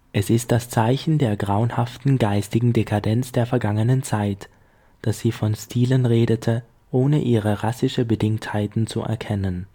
Es ist das Zeichen der grauenhaften geistigen Dekadenz der vergangenen Zeit, daß sie von Stilen redete, ohne ihre rassische Bedingtheiten zu erkennen